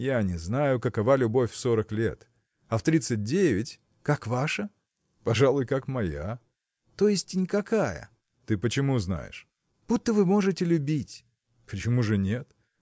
– Я не знаю, какова любовь в сорок лет, а в тридцать девять. – Как ваша? – Пожалуй, как моя. – То есть никакая. – Ты почему знаешь? – Будто вы можете любить? – Почему же нет?